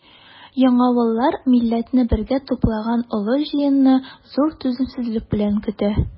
Яңавыллар милләтне бергә туплаган олы җыенны зур түземсезлек белән көтә.